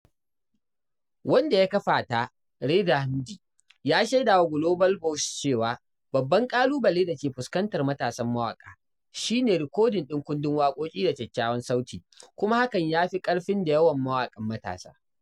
Wanda ya kafa ta, Reda Hmidi, ya shaida wa Global Voices cewa, “babban ƙalubale da ke fuskantar matasan mawaƙa shi ne rikodin din kundin waƙoƙi da kyakkyawan sauti, kuma hakan yafi ƙarfin da yawan mawaqan matasa.”